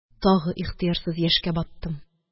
Тагы ихтыярсыз яшькә баттым.